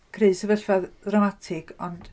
Creu sefyllfa ddramatig ond...